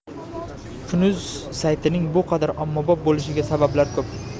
kunuz saytining bu qadar ommabop bo'lishiga sabablar ko'p